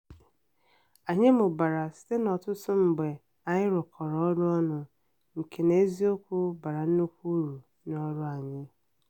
Anyị mụbara site n'ọtụtụ mgbe anyị rụkọrọ ọrụ ọnụ, nke n'ezi okwu bara nnukwu uru nye ọrụ ahụ!